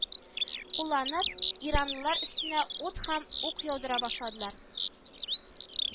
Кулланып, иранлылар өстенә ут һәм ук яудыра башлыйлар